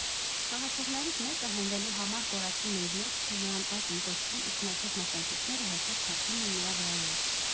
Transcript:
Խաղացողներից մեկը հենվելու համար կորացնում է իր մեջքը (նրան «այծ» են կոչում), իսկ մնացած մասնակիցները հերթով ցատկում են նրա վրայով։